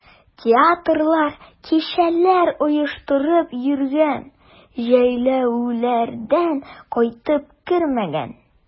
Театрлар, кичәләр оештырып йөргән, җәйләүләрдән кайтып кермәгән.